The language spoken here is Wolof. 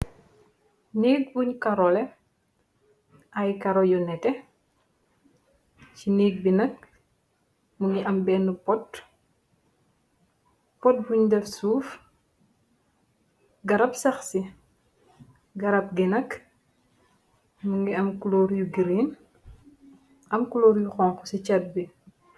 Néeg buñ karole ay karo yo nete ci néeg bi nak mu ngi am benn pot pot bun def suuf garab sax si garab gi nag mu ngi am klóor yu giriin am kulóor yu xonxo ci chat bi.